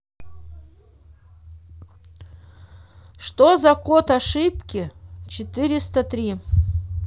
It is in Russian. что за код ошибки четыреста три